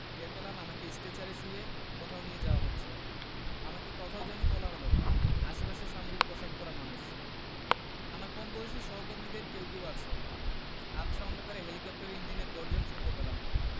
টের পেলাম আমাকে স্ট্রেচারে শুইয়ে কোথাও নিয়ে যাওয়া হচ্ছে আমাকে কোথায় জানি তোলা হলো আশেপাশে সামরিক পোশাক পরা মানুষ আমার কমবয়সী সহকর্মীদের কেউ কেউ আছে আবছা অন্ধকারে হেলিকপ্টারের ইঞ্জিনের গর্জন শুনতে পেলাম